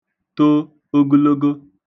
to ogəlogo